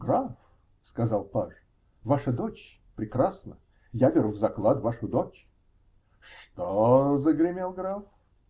-- Граф, -- сказал паж, -- ваша дочь прекрасна. Я беру в заклад вашу дочь. -- Что?! -- загремел граф.